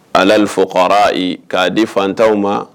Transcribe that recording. k'a di fantanw ma.